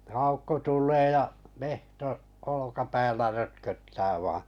Aukko tulee ja metso olkapäällä rötköttää vain